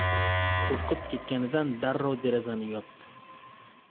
qurqib ketganidan darrov derazani yopdi